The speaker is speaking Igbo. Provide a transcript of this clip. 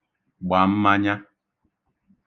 gbà mmanya